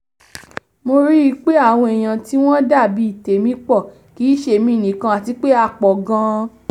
Mo ríi pé àwọn èèyàn tí wọ́n dà bíi tèmi pọ̀, kìí ṣe èmi nìkan àti pé a pọ̀ gan!